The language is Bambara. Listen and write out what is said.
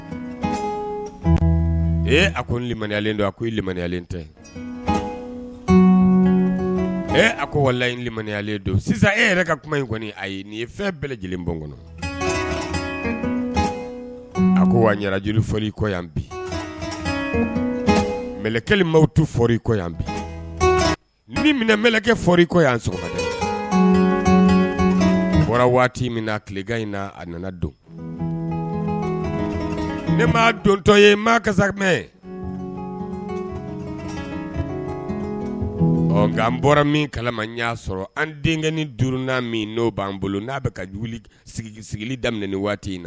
A koyalen don a iyalen tɛ a waya don sisan e kuma in nin ye fɛnlɛ lajɛlen kɔnɔ a waj yan bi mlɛ ko yan bikɛ kɔ bɔra waati min a tileka in na a nana don ne m dontɔ ye maa kasa nka an bɔra min kalama n y'a sɔrɔ an denkɛ duurun min n'o b'an bolo n'a bɛ ka daminɛ waati in